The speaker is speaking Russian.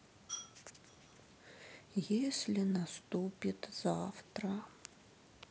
если наступит завтра